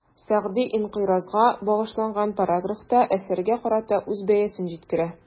Сәгъди «инкыйраз»га багышланган параграфта, әсәргә карата үз бәясен җиткерә.